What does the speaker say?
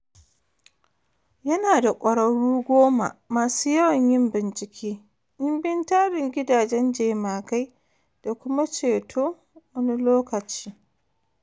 Yana da kwarraru goma, masu yawan yin bincike, dibin tarin gidajen jemagai da kuma ceto wani lokaci.